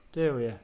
Duw, ie.